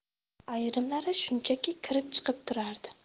ayrimlari shunchaki kirib chiqib turardi